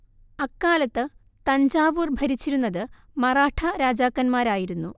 അക്കാലത്ത് തഞ്ചാവൂർ ഭരിച്ചിരുന്നത് മറാഠാ രാജാക്കന്മാരായിരുന്നു